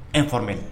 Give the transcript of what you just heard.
E fɔra bɛ